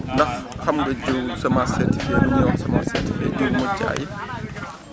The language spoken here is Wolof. ndax xam nga jiw semence certifiée lu ñuy wax semence certifiée te mu mucc ayib